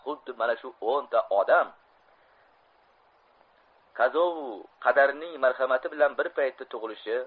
xuddi mana shu o'nta odam qazovu qadaming marhamati bilan bir paytda tug'ilishi